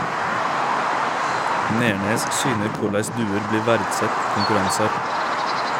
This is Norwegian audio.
Nernes syner korleis duer blir verdsett i konkurransar.